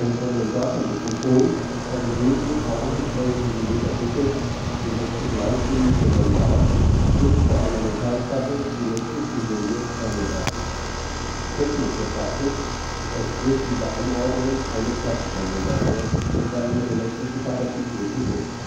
Kondensatormikrofon ist eine wenige tausendstel Millimeter dicke, elektrisch leitfähige Membran dicht vor einer Metallplatte elektrisch isoliert angebracht. Technisch betrachtet entspricht diese Anordnung einem Plattenkondensator, der eine elektrische Kapazität besitzt